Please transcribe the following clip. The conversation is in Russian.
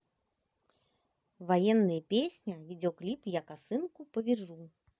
военная песня видеоклип я косынку повяжу